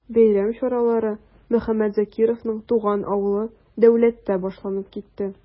Бәйрәм чаралары Мөхәммәт Закировның туган авылы Дәүләттә башланып китте.